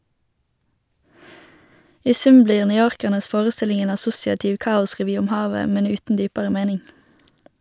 I sum blir newyorkernes forestilling en assosiativ kaosrevy om havet, men uten dypere mening.